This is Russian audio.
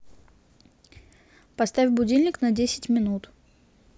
поставь будильник на десять минут